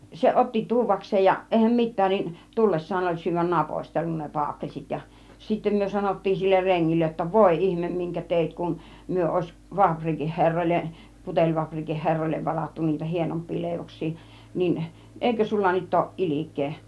se otti tuodakseen ja eihän mitään niin tullessaan oli syödä napostellut ne paakelssit ja sitten me sanottiin sille rengille jotta voi ihme minkä teit kun me olisi fapriikin herroille putelifapriikin herroille varattu niitä hienompia leivoksia niin eikö sinulla nyt ole ilkeä